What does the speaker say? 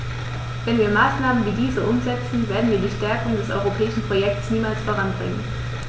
Wenn wir Maßnahmen wie diese umsetzen, werden wir die Stärkung des europäischen Projekts niemals voranbringen.